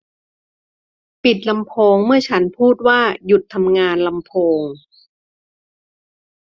ปิดลำโพงเมื่อฉันพูดว่าหยุดทำงานลำโพง